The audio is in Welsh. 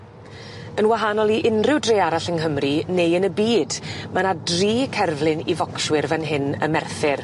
Yn wahanol i unryw dre arall yng Nghymru neu yn y byd ma' 'na dri cerflun i focswyr fyn hyn ym Merthyr.